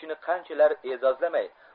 u kishini qanchalar e'zozlamay